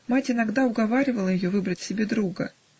Мать иногда уговаривала ее выбрать себе друга